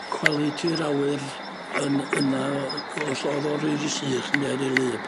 quality'r awyr yn yna yy os o'dd o ry ry sych ne' ry wlyb.